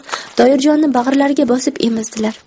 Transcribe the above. toyirjonni bag'rilariga bosib emizdilar